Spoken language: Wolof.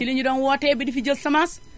fi lañu doon wootee ba di fi jël semence